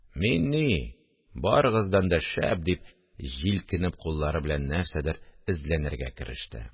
– мин ни... барыгыздан да шәп! – дип җилкенеп, куллары белән нәрсәдер эзләнергә кереште